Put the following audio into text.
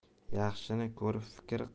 yaxshini ko'rib fikr qil